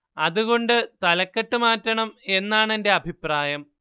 അതുകൊണ്ട് തലക്കെട്ട് മാറ്റണം എന്നാണെന്റെ അഭിപ്രായം